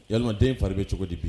Yalima e fari bɛ cogo di bi?